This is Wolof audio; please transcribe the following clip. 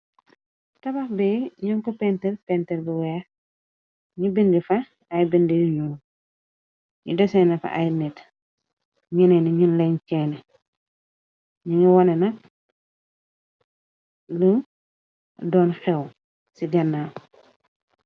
tabax bee ñën ko penter penter bu weex ñi bindi fax ay bind yuñu ñi doseena fa ay nit ñenee na ñuñ leeñ cenne ñi ngi wone na lu doon xew ci jannaam